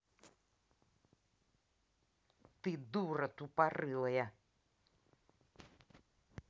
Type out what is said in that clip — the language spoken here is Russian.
ты дура тупорылая